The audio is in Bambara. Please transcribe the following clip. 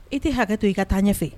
I ti hakɛto , i ka taa ɲɛfɛ.